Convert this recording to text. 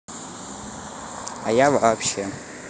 а я вообще